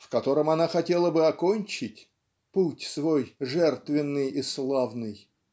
в котором она хотела бы окончить "путь свой жертвенный и славный".